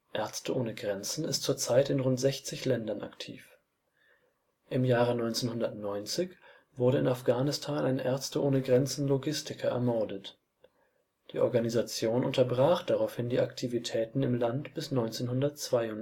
Ärzte ohne Grenzen ist zurzeit in rund 60 Ländern aktiv. Im Jahre 1990 wurde in Afghanistan ein MSF-Logistiker ermordet. Die Organisation unterbrach daraufhin die Aktivitäten im Land bis 1992